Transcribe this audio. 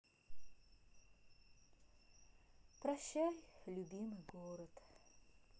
прощай любимый город